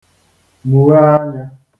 mụ̀ghee anya